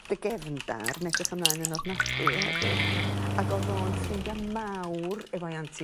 ...dy gefndar yn edrych ymlaen yn ofnadwy hefyd ag o'dd o'n ffrindia mawr efo'i aunty...